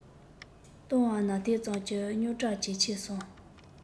བཏང བ ན དེ ཙམ གྱིས རྙོག དྲ ཇེ ཆེར སོང